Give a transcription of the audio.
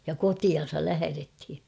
ja kotiinsa lähdettiin